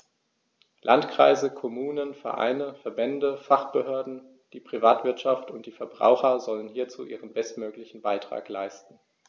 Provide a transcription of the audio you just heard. Landkreise, Kommunen, Vereine, Verbände, Fachbehörden, die Privatwirtschaft und die Verbraucher sollen hierzu ihren bestmöglichen Beitrag leisten.